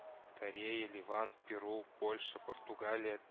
Корея, Ливан, Перу, Польша, Португалия